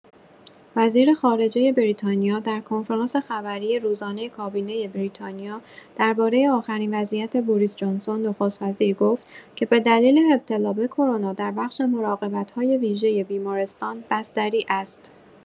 وزیر خارجه بریتانیا در کنفرانس خبری روزانه کابینه بریتانیا درباره آخرین وضعیت بوریس جانسون، نخست‌وزیر گفت که به دلیل ابتلا به کرونا در بخش مراقبت‌های ویژه بیمارستان بستری است.